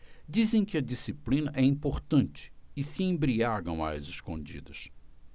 dizem que a disciplina é importante e se embriagam às escondidas